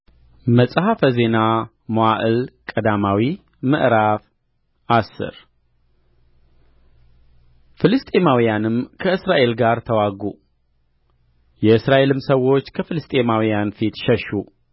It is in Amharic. መጽሐፈ ዜና መዋዕል ቀዳማዊ ምዕራፍ አስር ፍልስጥኤማውያንም ከእስራኤል ጋር ተዋጉ የእስራኤልም ሰዎች ከፍልስጥኤማውያን ፊት ሸሹ